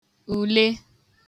ùle